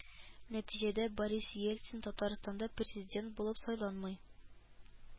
Нәтиҗәдә Борис Ельцин Татарстанда президент булып сайланмый